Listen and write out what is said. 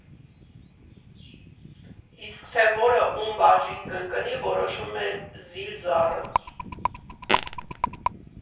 Իսկ թե որը ում բաժին կընկնի, որոշում է ԶԻԼ ԶԱՌԸ։